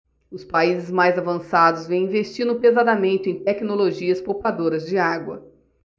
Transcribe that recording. os países mais avançados vêm investindo pesadamente em tecnologias poupadoras de água